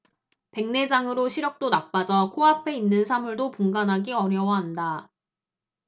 백내장으로 시력도 나빠져 코 앞에 있는 사물도 분간하기 어려워한다